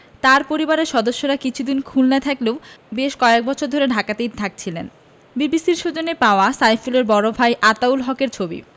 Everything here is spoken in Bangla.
তাঁর পরিবারের সদস্যরা কিছুদিন খুলনায় থাকলেও বেশ কয়েক বছর ধরে ঢাকাতেই থাকছিলেন বিবিসির সৌজন্যে পাওয়া সাইফুলের বড় ভাই আতাউল হকের ছবি